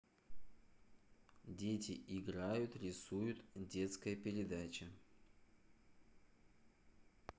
дети играют рисуют детская передача